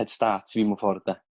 head start i fi mewn ffor de?